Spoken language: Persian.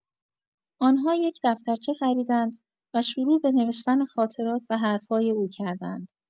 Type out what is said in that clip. آن‌ها یک دفترچه خریدند و شروع به نوشتن خاطرات و حرف‌های او کردند.